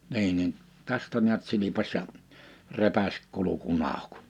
niin niin tästä näet silpaisi ja repäisi kurkun auki